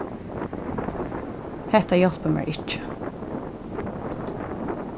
hetta hjálpir mær ikki